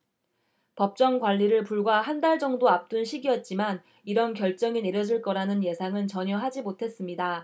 법정관리를 불과 한 달 정도 앞둔 시기였지만 이런 결정이 내려질 거라는 예상은 전혀 하지 못했습니다